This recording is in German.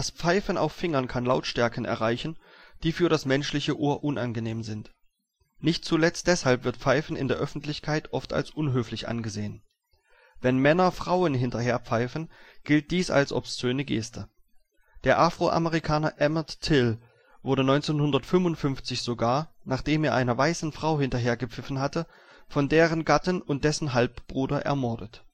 Pfeifen auf Fingern kann Lautstärken erreichen, die für das menschliche Ohr unangenehm sind. Nicht zuletzt deshalb wird Pfeifen in der Öffentlichkeit oft als unhöflich angesehen. Wenn Männer Frauen hinterherpfeifen, gilt dies als obszöne Geste. Der Afroamerikaner Emmett Till wurde 1955 sogar, nachdem er einer weißen Frau hinterhergepfiffen hatte, von deren Gatten und dessen Halbbruder ermordet